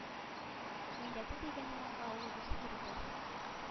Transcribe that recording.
Милләте дигән урынга ул русский дип яздыртты